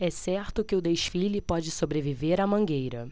é certo que o desfile pode sobreviver à mangueira